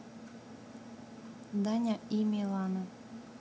даня и милана